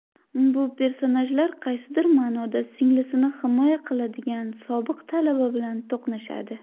bu personajlar qaysidir manoda singlisini himoya qiladigan sobiq talaba bilan to'qnashadi